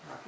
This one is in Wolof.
waaw